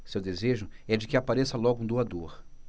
seu desejo é de que apareça logo um doador